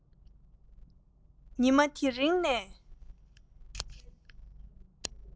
ཉི མ དེ རིང ནས